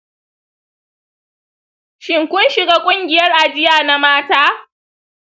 shin kun shiga ƙungiyar ajiya ta mata?